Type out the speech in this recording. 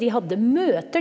de hadde møter.